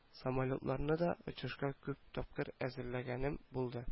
Самолетларны да очышка күп тапкырлар әзерләгәнем булды